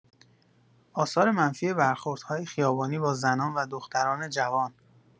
آثار منفی برخوردهای خیابانی با زنان و دختران جوان